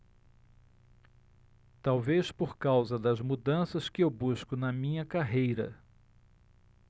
talvez por causa das mudanças que eu busco na minha carreira